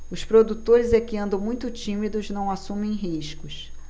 os produtores é que andam muito tímidos não assumem riscos